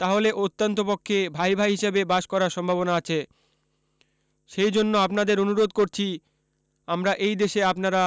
তাহলে অত্যন্ত পক্ষে ভাই ভাই হিসেবে বাস করার সম্ভাবনা আছে সেই জন্য আপনাদের অনুরোধ করছি আমরা এই দেশে আপনারা